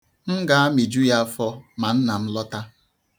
M ga-amịju ya afọ ma nna m lọta.